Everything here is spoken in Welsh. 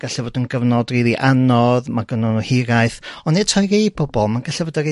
gallu fod yn gyfnod rili anodd ma' gyno n'w hiraeth ond eto i rei pobol ma'n gallu fod yn